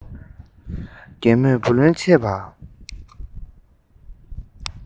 རྒན མོས བུ ལོན ཆད པ དང